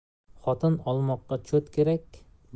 xotin olmoqqa cho't kerak